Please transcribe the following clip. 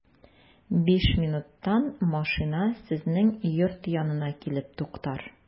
Биш минуттан машина сезнең йорт янына килеп туктар.